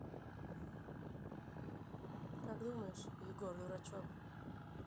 как думаешь егор дурачок